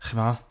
Chimod?